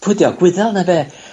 Pwy 'd io Gwyddel ne' be'?